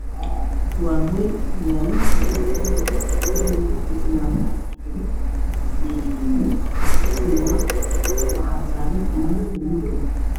Meeshaan waa meel maslax ah waxaa yaalo fadhi qaxwi ah iyo miis baluga ah